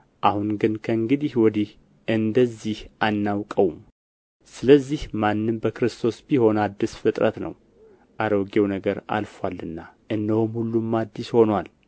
አሁን ግን ከእንግዲህ ወዲህ እንደዚህ አናውቀውም ስለዚህ ማንም በክርስቶስ ቢሆን አዲስ ፍጥረት ነው አሮጌው ነገር አልፎአል እነሆ ሁሉም አዲስ ሆኖአል